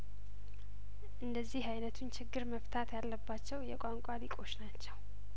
እንደ ዚህ አይነቱን ችግር መፍታት ያለባቸው የቋንቋ ሊቆች ናቸው